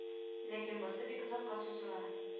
Ләкин бусы бик озакка сузыла